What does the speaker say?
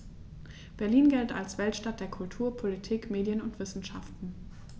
Berlin gilt als Weltstadt der Kultur, Politik, Medien und Wissenschaften.